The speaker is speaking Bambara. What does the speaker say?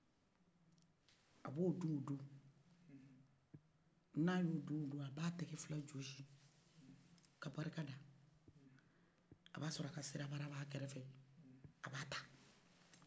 a b'o dun yi dun n'a y'o dun ye dun a b'a tigɛ fila jɔshi ka barika da o b'a sɔrɔ a k'a ka sara bara b'a kɛrɛfɛ a b'a ta